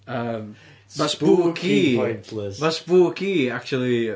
Yym ma' spooky... yn pointless... ma' spooky actually...